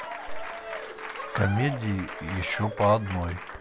комедии еще по одной